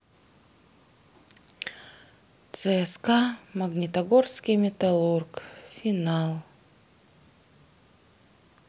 цска магнитогорский металлург финал